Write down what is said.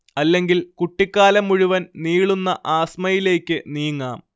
അല്ലെങ്കിൽ കുട്ടിക്കാലം മുഴുവൻ നീളുന്ന ആസ്മയിലേക്ക് നീങ്ങാം